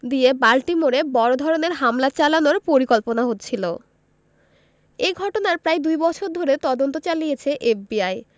দিয়ে বাল্টিমোরে বড় ধরনের হামলা চালানোর পরিকল্পনা হচ্ছিল এ ঘটনায় প্রায় দুই বছর ধরে তদন্ত চালিয়েছে এফবিআই